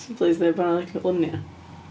Plis deud bo' 'na actual lluniau?